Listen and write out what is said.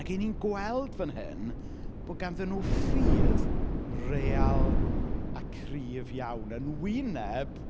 Ac 'y ni'n gweld fan hyn, bod ganddyn nhw ffydd real a cryf iawn, yn wyneb...